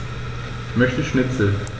Ich möchte Schnitzel.